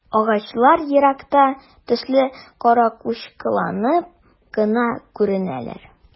Агачлар еракта төсле каракучкылланып кына күренәләр.